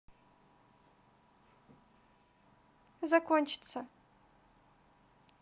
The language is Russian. закончиться